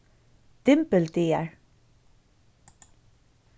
dymbildagar